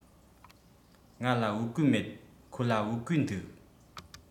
ང ལ བོད གོས མེད ཁོ ལ བོད གོས འདུག